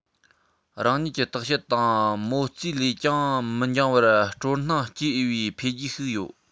རང ཉིད ཀྱི བརྟག དཔྱད དང མོ རྩིས ལས ཀྱང མི འགྱངས པར སྤྲོ སྣང སྐྱེ འོས པའི འཕེལ རྒྱས ཤིག ཡོད